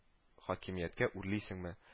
Хакимияткә үрлисеңме